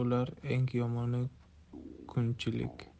bo'lar eng yomoni kunchilik